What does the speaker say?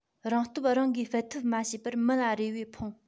རང སྟོབས རང གིས སྤེལ ཐབས མ བྱས པར མི ལ རེ བས འཕུང